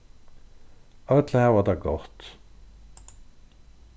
øll hava tað gott